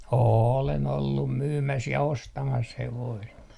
olen ollut myymässä ja ostamassa hevosta